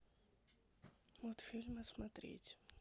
мультфильмы смотреть